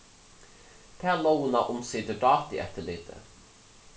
tað lógina umsitur dátueftirlitið